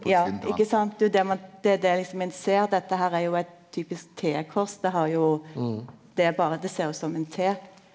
ja ikkje sant det er jo det ein det er det liksom ein ser at dette her er jo eit typisk T-kors det har jo det er berre det ser ut som ein T.